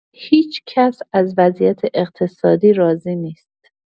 هیچ‌کس از وضعیت اقتصادی راضی نیست.